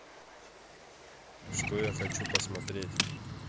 что я хочу посмотреть